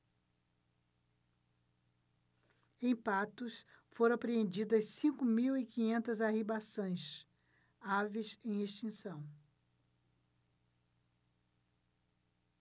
em patos foram apreendidas cinco mil e quinhentas arribaçãs aves em extinção